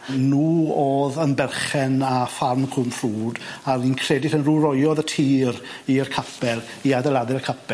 N'w o'dd yn berchen â ffarm Cwmffrwd a fi'n credu ma' nw roiodd y tir i'r capel i adeiladu'r capel.